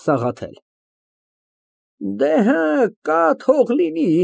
ՍԱՂԱԹԵԼ ֊ Դե հը, կա թող լինի։